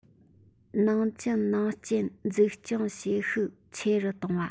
ནང གཅུན ནང རྐྱེན འཛུགས སྐྱོང བྱེད ཤུགས ཆེ རུ གཏོང བ